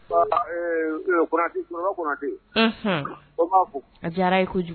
A ee cɛkɔrɔba Kɔnatɛ, unhun, ko n b'a fo, a diyar'a ye kojugu